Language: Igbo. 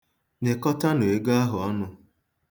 Nyekọtanụ ego ahụ ọnụ.